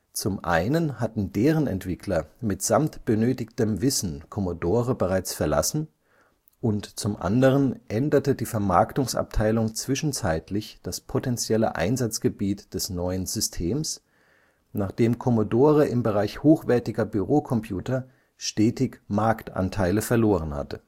Zum einen hatten deren Entwickler mitsamt benötigtem Wissen Commodore bereits verlassen und zum anderen änderte die Vermarktungsabteilung zwischenzeitlich das potentielle Einsatzgebiet des neuen Systems, nachdem Commodore im Bereich hochwertiger Bürocomputer stetig Marktanteile verloren hatte